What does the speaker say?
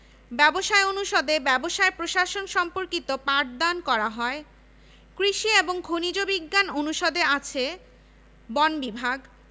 ৩ হাজার ৩৫ জন বিশ্ববিদ্যালয়ের দুটি ছাত্রাবাসে প্রায় এক হাজার শিক্ষার্থীর স্থান সংকুলান হয়